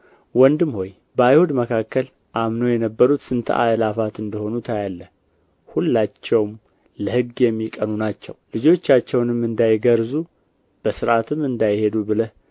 ወንድም ሆይ በአይሁድ መካከል አምነው የነበሩት ስንት አእላፋት እንደ ሆኑ ታያለህ ሁላቸውም ለሕግ የሚቀኑ ናቸው ልጆቻቸውንም እንዳይገርዙ በሥርዓትም እንዳይሄዱ ብለህ